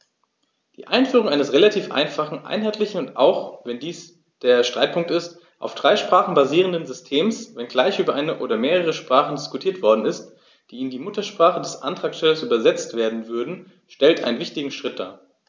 Die Einführung eines relativ einfachen, einheitlichen und - auch wenn dies der Streitpunkt ist - auf drei Sprachen basierenden Systems, wenngleich über eine oder mehrere Sprachen diskutiert worden ist, die in die Muttersprache des Antragstellers übersetzt werden würden, stellt einen wichtigen Schritt dar.